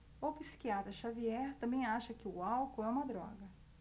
o psiquiatra dartiu xavier também acha que o álcool é uma droga